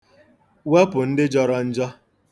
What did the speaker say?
Wepụ ndị jọrọ njọ.